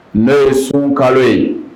N'o ye sun kalo ye